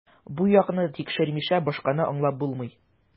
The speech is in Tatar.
Бу якны тикшермичә, башканы аңлап булмый.